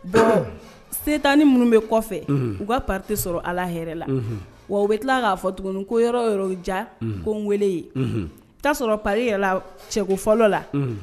Bon se tan ni minnu bɛ kɔfɛ u ka pate sɔrɔ ala h la wa bɛ tila k'a fɔ tuguni ko yɔrɔ ja ko n wele u'a sɔrɔ pa yɛrɛ cɛ fɔlɔ la